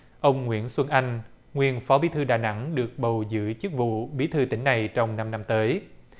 ông nguyễn xuân anh nguyên phó bí thư đà nẵng được bầu giữ chức vụ bí thư tỉnh này trong năm năm tới